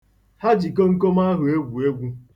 Ha ji komkom ahụ ̣egwu egwu.